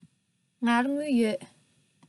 ང ལ དངུལ ཡོད